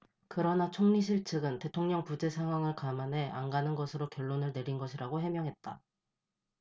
그러나 총리실측은 대통령 부재 상황을 감안해 안 가는 것으로 결론을 내린 것이라고 해명했다